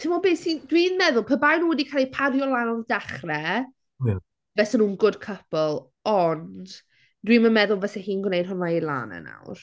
Timod be sy'n... Dwi'n meddwl pe bai nhw wedi cael eu pario lan o'r dechrau... ie ...fysen nhw'n good couple, ond dwi ddim yn meddwl fysa hi'n gwneud hwnna i Lana nawr.